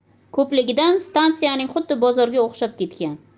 ko'pligidan stansiyaning xuddi bozorga o'xshab ketgan